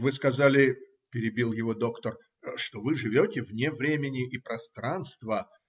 - Вы сказали, - перебил его доктор, - что вы живете вне времени и пространства.